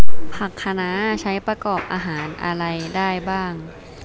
ผักคะน้าใช้ประกอบอาหารอะไรได้บ้าง